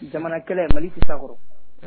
Jamana kɛlɛ Mali ti sa kɔrɔ.